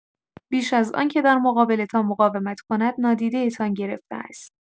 بیش از آنکه در مقابلتان مقاومت کند، نادیده‌تان گرفته است.